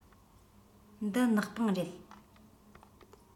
འདི ནག པང རེད